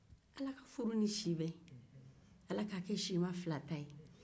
ala ka furu ni si bɛn ala k'a ke sima fila ta ye